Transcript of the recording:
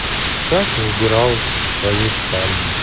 катя убиралась в своей спальне